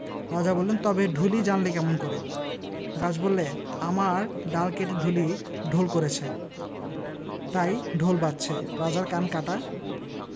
রাজা বললেন তবে ঢুলি জানলে কেমন করে গাছ বললে আমার ডাল কেটে ঢুলি ঢোল করেছে তাই ঢোল বাজছে রাজার কান কাটা